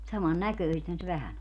saman näköisethän se vähän on